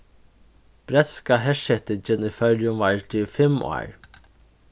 bretska hersetingin í føroyum vardi í fimm ár